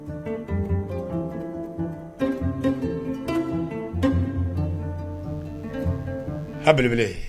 Ha bb